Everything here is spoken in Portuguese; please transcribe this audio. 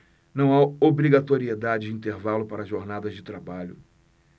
não há obrigatoriedade de intervalo para jornadas de trabalho